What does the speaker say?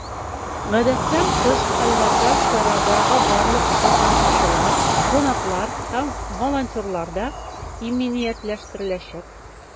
Гадәттән тыш хәлләрдән чарадагы барлык катнашучылар, кунаклар һәм волонтерлар да иминиятләштереләчәк.